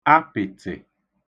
apị̀tị̀